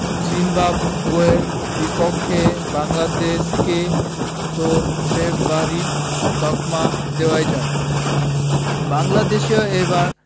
ক্ষয়িষ্ণু শ্রীলঙ্কা ও পিছিয়ে থাকা জিম্বাবুয়ের বিপক্ষে বাংলাদেশকে তো ফেবারিট তকমা দেওয়াই যায় বাংলাদেশও এবার